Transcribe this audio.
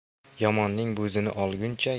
yomonning bo'zini olguncha